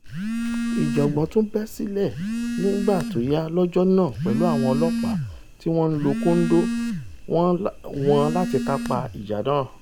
Ìjàngbọ̀n tún bẹ́ sílẹ̀ nígbà tóyá lọ́jọ́ náà pẹ̀lú àwọn ọlọ́ọ̀pá tíwọn ńlo kóńdò wọn láti kápá ìjà náà.